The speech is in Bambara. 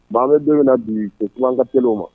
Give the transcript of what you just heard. Bɛ don na bi o kuma kaeli ma